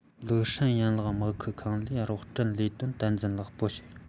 ལེ ཧྲན ཡན ལག དམག ཁུལ ཁང ལས རོགས སྐྲུན ལས དོན དམ འཛིན ལེགས པོར བྱོས པ ཁག ཐག བྱོས